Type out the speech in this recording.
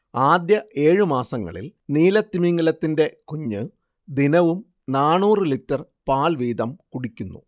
ആദ്യ ഏഴു മാസങ്ങളിൽ നീലത്തിമിംഗിലത്തിന്റെ കുഞ്ഞ് ദിനവും നാന്നൂറ് ലിറ്റര്‍ പാൽ വീതം കുടിക്കുന്നു